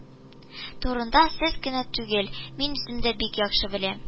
Турында сез генә түгел, мин үзем дә бик яхшы беләм